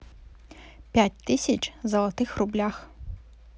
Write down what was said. пять тысяч злотых в рублях